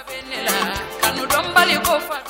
Kadɔnbali ko